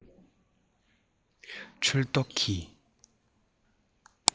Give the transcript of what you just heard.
འཁྲུལ རྟོག གི